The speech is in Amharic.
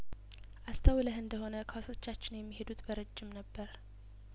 አስተውለህ እንደሆነ ኳሶቻችን የሚሄዱት በረዥም ነበር